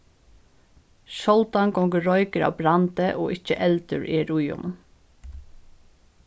sjáldan gongur roykur av brandi og ikki eldur er í honum